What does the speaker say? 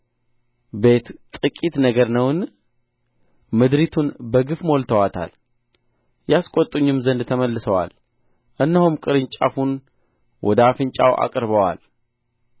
ቤት ጥቂት ነገር ነውን ምድሪቱን በግፍ ሞልተዋታል ያስቈጡኝም ዘንድ ተመልሰዋል እነሆም ቅርንጫፉን ወደ አፍንጫው አቅርበዋል